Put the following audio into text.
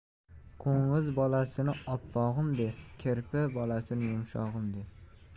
qo'ng'iz bolasini oppog'im der kirpi bolasini yumshog'im der